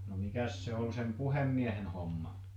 no mikäs se oli sen puhemiehen homma